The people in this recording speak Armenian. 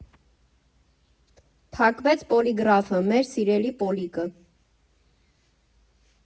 Փակվեց Պոլիգրաֆը, մեր սիրելի Պոլիկը։